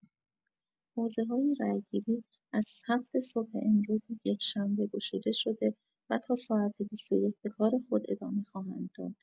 حوزه‌های رای‌گیری از هفت صبح امروز یکشنبه گشوده شده و تا ساعت ۲۱ به کار خود ادامه خواهند داد.